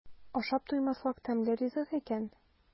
Ашап туймаслык тәмле ризык икән.